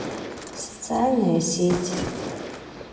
социальная сеть